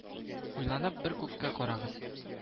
Уйланып бер күккә карагыз: